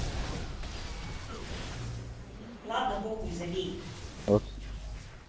ладно похуй забей